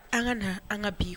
An ka na, an ka b i